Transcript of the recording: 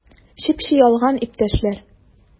Чеп-чи ялган, иптәшләр!